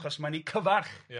Achos mae'n eu cyfarch. Ia.